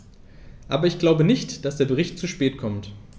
Aber ich glaube nicht, dass der Bericht zu spät kommt.